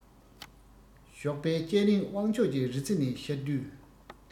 ཞོགས པའི སྐྱ རེངས དབང ཕྱོགས ཀྱི རི རྩེ ནས ཤར དུས